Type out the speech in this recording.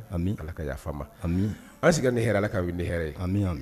A ala ka yafa ma anse ka ni hɛrɛ ala ka wuli ni hɛrɛ an y'a mɛn